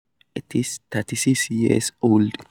It's 36 years old.